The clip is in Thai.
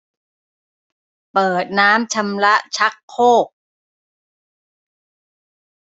เปิดน้ำชำระชักโครก